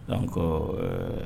Donc ɛɛ